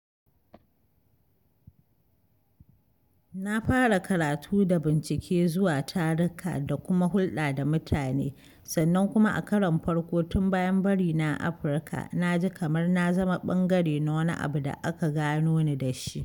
Na fara karatu da bincike, zuwa taruka, da kuma hulɗa da mutane, sannan kuma a karon farko tun bayan barina Afirka, na ji kamar na zama ɓangare na wani abu da aka gano ni dashi .